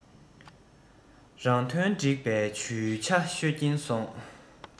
རང དོན སྒྲིག པའི ཇུས ཆ ཤོད ཀྱིན སོང